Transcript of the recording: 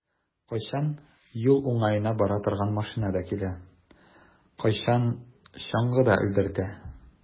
Кайчан юл уңаена бара торган машинада килә, кайчан чаңгыда элдертә.